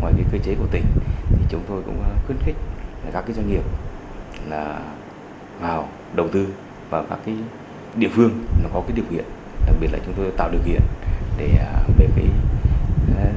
ngoài việc quy chế của tỉnh chúng tôi cũng khuyến khích các doanh nghiệp là mào đầu tư và phát huy địa phương có điều kiện đặc biệt tại thủ đô tạo điều kiện để